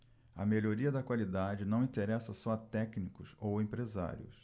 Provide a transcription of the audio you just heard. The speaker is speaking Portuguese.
a melhoria da qualidade não interessa só a técnicos ou empresários